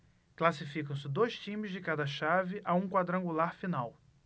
classificam-se dois times de cada chave a um quadrangular final